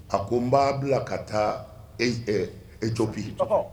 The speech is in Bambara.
A ko n b'a bila ka taa e jɔ bi